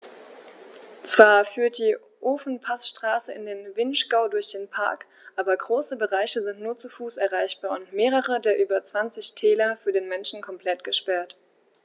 Zwar führt die Ofenpassstraße in den Vinschgau durch den Park, aber große Bereiche sind nur zu Fuß erreichbar und mehrere der über 20 Täler für den Menschen komplett gesperrt.